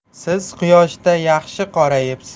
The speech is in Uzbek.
siz quyoshda yaxshi qorayibsiz